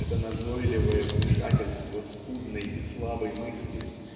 Это назойливое вмешательство скудной и слабой мысли